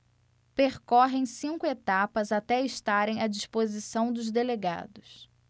percorrem cinco etapas até estarem à disposição dos delegados